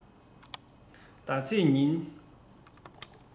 ཟླ ཚེས ཉིན